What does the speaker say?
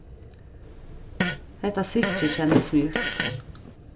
hetta silkið kennist mjúkt